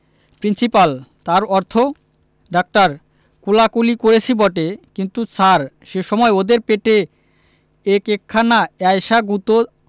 principal তার অর্থ doctor কোলাকুলি করেছি বটে কিন্তু স্যার সে সময় ওদের পেটে এক একখানা এ্যায়সা গুঁতো